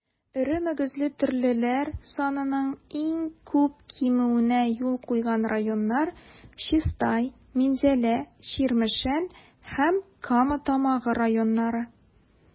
Эре мөгезле терлекләр санының иң күп кимүенә юл куйган районнар - Чистай, Минзәлә, Чирмешән һәм Кама Тамагы районнары.